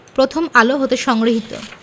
প্রথম আলো হতে সংগৃহীত